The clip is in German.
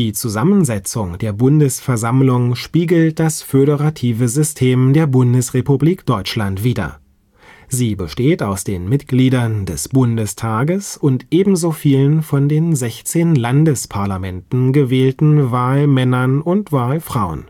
Zusammensetzung der Bundesversammlung spiegelt das föderative System der Bundesrepublik Deutschland wider: Sie besteht aus den Mitgliedern des Bundestages und ebenso vielen von den 16 Landesparlamenten gewählten Wahlmännern und - frauen